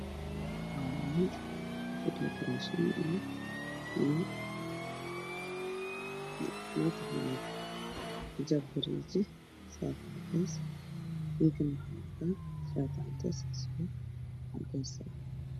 Waa niman iyo naago ku fadhiya kuraas waana howl waxay wataan shaatiyo caddaan su-aalo cadaan ka hor baabuur